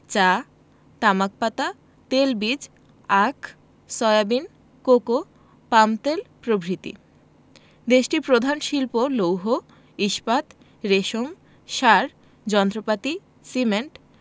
চা তামাক পাতা তেলবীজ আখ সয়াবিন কোকো পামতেল প্রভৃতি দেশটির প্রধান শিল্প লৌহ ইস্পাত রেশম সার যন্ত্রপাতি সিমেন্ট